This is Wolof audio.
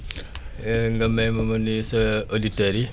nga may ma ma nuyu sa auditeurs yi